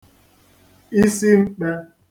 isimkpe